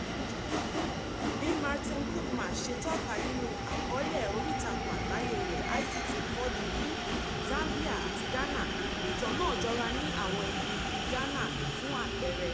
Bí Martine Koopman ṣe tọ́ka nínú àkọọ́lẹ̀ oríìtakùn àgbáyé rẹ̀ ICT4D ní Zambia àti Ghana, ìtàn náà jọra ní àwọn ibi bíi Ghana, fún àpẹẹrẹ.